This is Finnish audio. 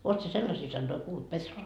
olet sinä sellaisia sanoja kuullut -